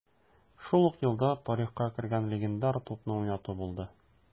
Шул ук елда тарихка кергән легендар тупны уйнату булды: